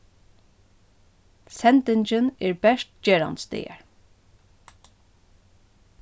sendingin er bert gerandisdagar